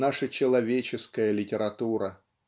наша человеческая литература.